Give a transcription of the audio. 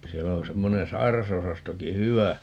siellä on semmoinen sairasosastokin hyvä